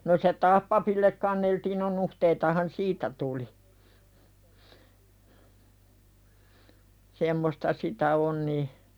no se taas papille kanneltiin no nuhteitahan siitä tuli semmoista sitä on niin